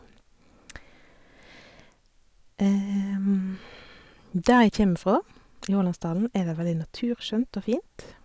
Der jeg kjeme fra, i Hålandsdalen, er det veldig naturskjønt og fint.